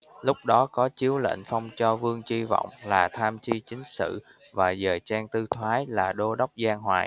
lúc đó có chiếu lệnh phong cho vương chi vọng là tham tri chính sự và dời thang tư thoái là đô đốc giang hoài